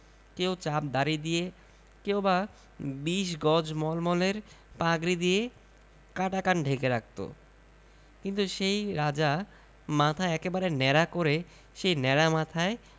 কেউ চাপ দাড়ি দিয়ে কেউ বা বিশ গজ মলমলের পাগড়ি দিয়ে কাটা কান ঢেকে রাখত কিন্তু সেই রাজা মাথা একেবারে ন্যাড়া করে সেই ন্যাড়া মাথায়